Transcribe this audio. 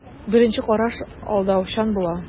Беренче караш алдаучан була.